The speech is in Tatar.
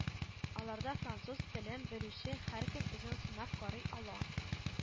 Аларда француз телен белүче һәркем үзен сынап карый ала